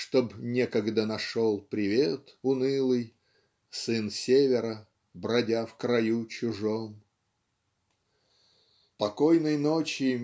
Чтоб некогда нашел привет унылый Сын севера бродя в краю чужом? "Покойной ночи